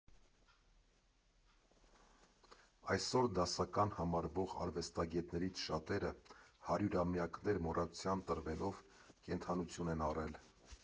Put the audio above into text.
Այսօր դասական համարվող արվեստագետներից շատերը, հարյուրամյակներ մոռացության տրվելով, կենդանություն են առել.